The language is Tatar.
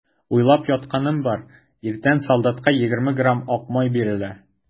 Уйлап ятканым бар: иртән солдатка егерме грамм ак май бирелә.